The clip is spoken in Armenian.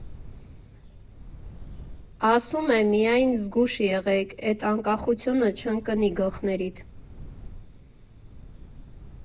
Ասում է՝ միայն զգույշ եղեք, էդ անկախությունը չընկնի գլխներիդ։